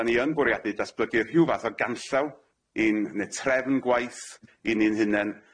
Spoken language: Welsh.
Dan ni yn bwriadu datblygu rhyw fath o ganllaw un ne' trefn gwaith i ni'n hunen.